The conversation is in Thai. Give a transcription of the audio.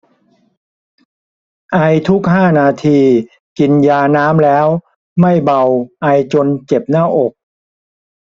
ไอทุกห้านาทีกินยาน้ำแล้วไม่เบาไอจนเจ็บหน้าอก